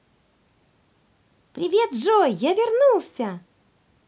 привет джой я вернулся